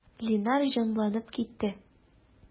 Линар җанланып китте.